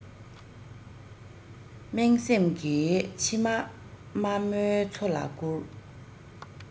སྨྲེངས སེམས ཀྱི མཆི མ དམའ མོའི མཚོ ལ བསྐུར